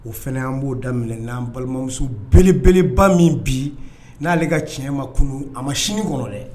O fana an b'o daminɛ n'an balimamuso belebeleba min bi n'ale ka tiɲɛ ma tunun a ma sini kɔnɔ dɛ.